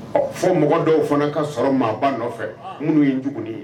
Ɔ fo mɔgɔ dɔw fana ka sɔrɔ maaba nɔfɛ minnu ye jugu ye